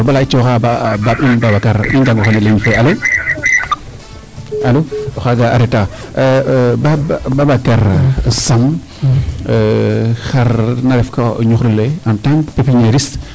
Masaala bala i cooxa a ba' in Babacar alo alo o xaaga a reta Bab Babacar Samb xar na refka o ñuxur ole en tant pépinieriste. `